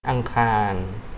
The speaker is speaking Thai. อังคาร